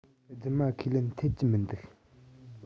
རྫུན མ ཁས ལེན ཐུབ ཀྱི མི འདུག